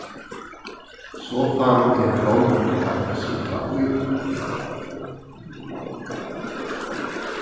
sofan er góð at sita í